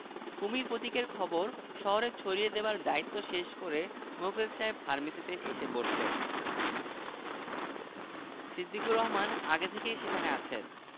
আমাদের রেডিও কি আর শোনার উপায় আছে এই নাও বাবার ৫০০ টাকা দলের প্রধান এমন ভাব করল যে সে খুবই অপমানিত হয়েছে মুখ বেঁকিয়ে বলল